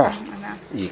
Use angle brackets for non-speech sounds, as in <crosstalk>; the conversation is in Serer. <hesitation> andaam